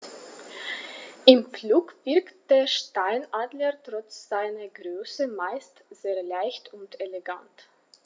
Im Flug wirkt der Steinadler trotz seiner Größe meist sehr leicht und elegant.